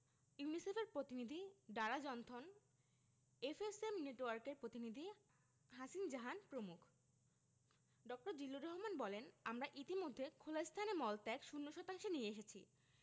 ইউনিসেফের প্রতিনিধি Dara Johnston FSM নেটওয়ার্কের প্রতিনিধি হাসিন জাহান প্রমুখ ড. বলেন জিল্লুর রহমান আমরা ইতিমধ্যে খোলা স্থানে মলত্যাগ শূন্য শতাংশে নিয়ে এসেছি